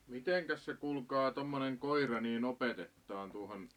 mitenkäs se kuulkaa tuommoinen koira niin opetetaan tuohon